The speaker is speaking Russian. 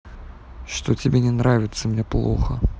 что тебе не нравится мне плохо